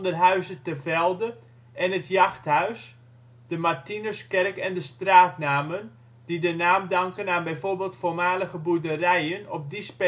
Huize te Velde en Het Jachthuis, de Martinuskerk en de straatnamen, die de naam danken aan bijvoorbeeld voormalige boerderijen op die